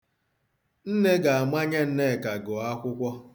Nne ga-amanye Nneka gụọ akwụkwọ.